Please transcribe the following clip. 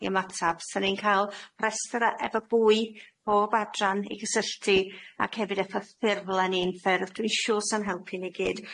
i ymatab. Se'n ni'n ca'l rhestre efo bwy, pob adran i gysylltu, ac hefyd y llythy- ffurflen unffurf, dwi'n siŵr sa'n helpu ni gyd.